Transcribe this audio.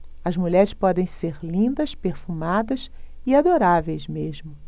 as mulheres podem ser lindas perfumadas e adoráveis mesmo